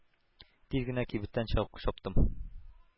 Тиз генә кибеттән чыгып чаптым.